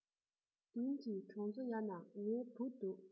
མདུན གྱི གྲོང ཚོ ཡ ན ངའི བུ འདུག